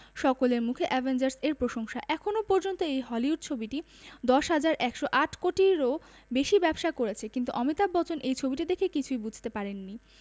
সকলের মুখে অ্যাভেঞ্জার্স এর প্রশংসা এখনও পর্যন্ত এই হলিউড ছবিটি ১০১০৮ কোটিরও বেশি ব্যবসা করেছে কিন্তু অমিতাভ বচ্চন এই ছবিটি দেখে কিছুই বুঝতে পারেননি